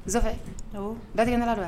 Zɔfɛ Awɔ, datigɛ n da la de don wa?